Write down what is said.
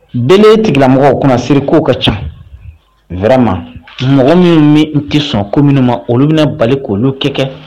Bele tigala mɔgɔw kumasiri k'o ka ca wɛrɛ mɔgɔ min bɛ n tɛ sɔn ko minnu ma olu bɛna bali k'olu kɛ kɛ